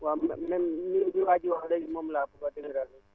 waaw man man li li waa ji wax léegi moom laa bëgg a dëgëral